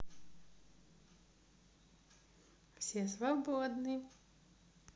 все свободны